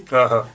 ahan